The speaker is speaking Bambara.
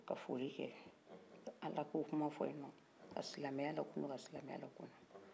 ka foli kɛ ka ala ko kuma fɔ ye nɔn ka silamɛya la kuma ka silamɛya la kuma